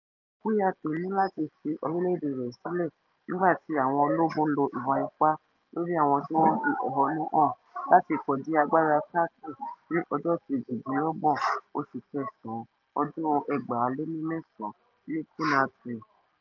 Kouyate ní láti fi orílẹ̀-èdè rẹ̀ sílẹ̀ nígbàtí àwọn ológun lo ìwà - ipá lórí àwọn tí wọ́n ń fi ẹ̀hónú hàn láti kọdí agbára Kaki ní 28 Oṣù Kẹ̀sán ọdún 2009 ní Conakry.